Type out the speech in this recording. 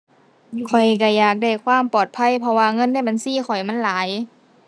ข้อยก็อยากได้ความปลอดภัย เพราะว่าเงินในบัญชีข้อยมันหลาย